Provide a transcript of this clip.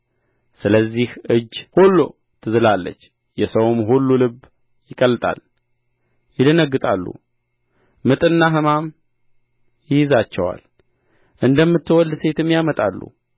ስለዚህ እጅ ሁሉ ትዝላለች የሰውም ሁሉ ልብ ይቀልጣል ይደነግጣሉ ምጥና ሕማም ይይዛቸዋል እንደምትወልድ ሴትም ያምጣሉ